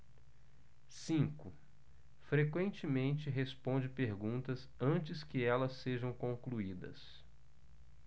cinco frequentemente responde perguntas antes que elas sejam concluídas